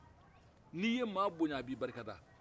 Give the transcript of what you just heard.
n'i ye mɔgɔ bonya a b'i barakada